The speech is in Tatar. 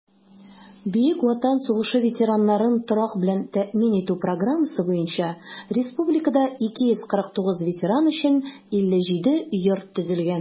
Бөек Ватан сугышы ветераннарын торак белән тәэмин итү программасы буенча республикада 249 ветеран өчен 57 йорт төзелгән.